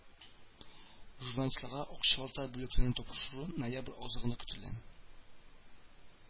Журналистларга акчалата бүләкләрне тапшыру ноябрь азагында көтелә